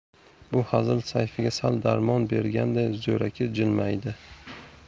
bu hazil sayfiga sal darmon berganday zo'raki jilmaydi